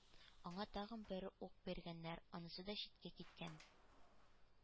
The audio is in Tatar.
Аңа тагын бер ук биргәннәр, анысы да читкә киткән.